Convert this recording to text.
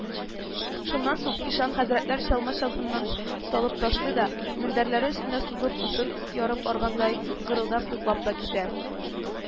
Шуннан соң “ишан хәзрәтләр” чалма-чапанын салып ташлый да, мендәрләре өстенә сузылып, утын ярып аргандай, гырылдап йоклап та китә